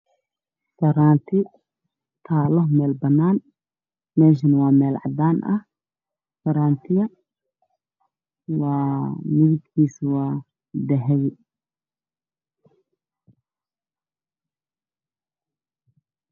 Faraanti taalo meel banaan meshana wa meel cadaan ah farantiga midabkiisa waa dahabi